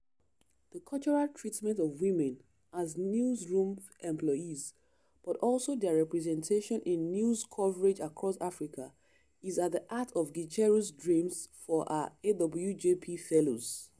The cultural treatment of women — as newsroom employees, but also their representation in news coverage across Africa — is at the heart of Gicheru’s dreams for her AWJP fellows.